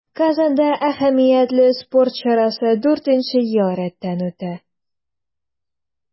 Казанда әһәмиятле спорт чарасы дүртенче ел рәттән үтә.